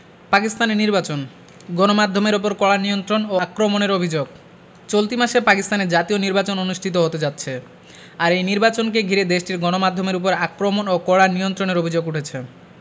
পাকিস্তানে নির্বাচন গণমাধ্যমের ওপর কড়া নিয়ন্ত্রণ ও আক্রমণের অভিযোগ চলতি মাসে পাকিস্তানে জাতীয় নির্বাচন অনুষ্ঠিত হতে যাচ্ছে আর এই নির্বাচনকে ঘিরে দেশটির গণমাধ্যমের ওপর আক্রমণ ও কড়া নিয়ন্ত্রণের অভিযোগ উঠেছে